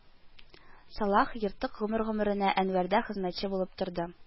Салах Ертык гомер-гомеренә Әнвәрдә хезмәтче булып торды